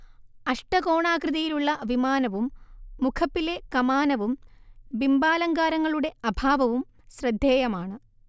അഷ്ടകോണാകൃതിയിലുള്ള വിമാനവും മുഖപ്പിലെ കമാനവും ബിംബാലങ്കാരങ്ങളുടെ അഭാവവും ശ്രദ്ധേയമാണ്